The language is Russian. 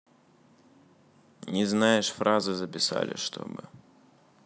не знаешь фразы записали чтобы